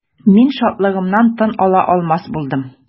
Мин шатлыгымнан тын ала алмас булдым.